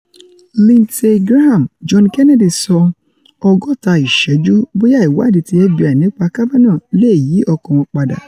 Lindsey Graham, John Kennedy sọ ''Ọgọ́ta Ìṣẹ́jú'' bóyá ìwáàdí ti FBI nípa Kavanaugh leè yí ọkan wọn padà